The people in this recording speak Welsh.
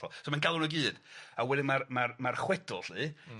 So mae'n galw nw i gyd a wedyn ma'r ma'r ma'r chwedl lly... Hmm.